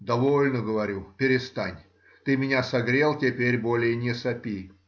— Довольно,— говорю,— перестань; ты меня согрел, теперь более не сопи.